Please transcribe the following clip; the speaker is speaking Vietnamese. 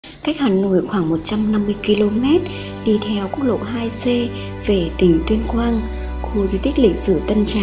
cách hà nội khoảng km đi theo qốc lộ c về tỉnh tuyên quang khu di tích lịch sử tân trào